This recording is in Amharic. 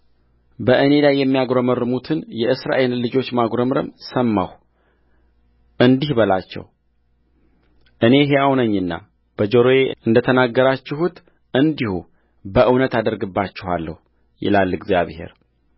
በእኔ ላይ የሚያጕረመርሙትን የእስራኤልን ልጆች ማጕረምረም ሰማሁእንዲህ በላቸው እኔ ሕያው ነኝና በጆሮዬ እንደ ተናገራችሁት እንዲሁ በእውነት አደርግባችኋለሁ ይላል እግዚአብሔር